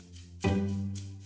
ờm